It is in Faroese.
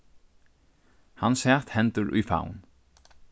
hann sat hendur í favn